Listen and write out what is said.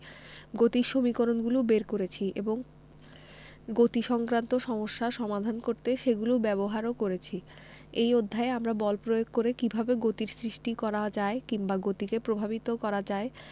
গতির সমীকরণগুলো বের করেছি এবং গতিসংক্রান্ত সমস্যা সমাধান করতে সেগুলো ব্যবহারও করেছি এই অধ্যায়ে আমরা বল প্রয়োগ করে কীভাবে গতির সৃষ্টি করা যায় কিংবা গতিকে প্রভাবিত করা যায়